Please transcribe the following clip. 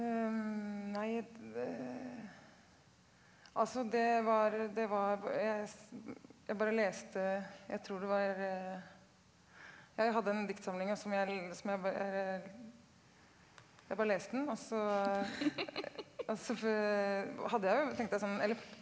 nei altså det var det var jeg jeg bare leste jeg tror det var jeg hadde den diktsamlinga som jeg som jeg jeg bare leste den og så også hadde jeg jo tenkte jeg sånn eller.